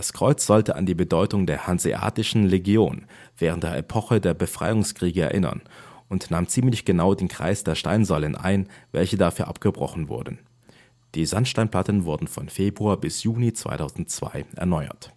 Kreuz sollte an die Bedeutung der Hanseatischen Legion während der Epoche der Befreiungskriege erinnern und nahm ziemlich genau den Kreis der Steinsäulen ein, welche dafür abgebrochen wurden. Die Sandsteinplatten wurden von Februar bis Juni 2002 erneuert